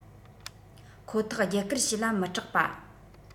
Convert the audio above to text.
ཁོ ཐག བརྒྱུད བསྐུར བྱས ལ མི སྐྲག པ